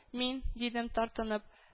— мин... — дидем, тартынып